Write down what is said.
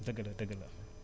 dëgg la dëgg la